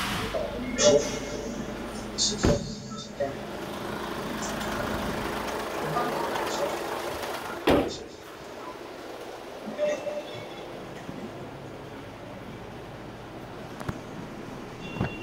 Waa kartoon waxaa ku sawiran lugo qof